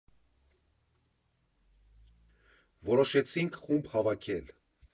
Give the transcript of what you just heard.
Որոշեցինք խումբ հավաքել։